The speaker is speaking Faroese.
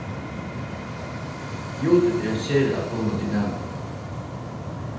judith er ein sera dugnaligur næmingur